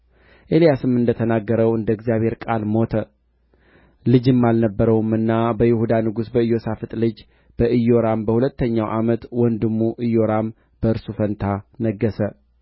ከእርሱ ጋር ውረድ አትፍራውም አለው ተነሥቶም ከእርሱ ጋር ወደ ንጉሡ ወረደ ኤልያስም እግዚአብሔር እንዲህ ይላል የአቃሮንን አምላክ ብዔልዜቡልን ትጠይቅ ዘንድ መልእክተኞችን ልከሃልና ትሞታለህ እንጂ ከወጣህበት አልጋ አትወርድም አለው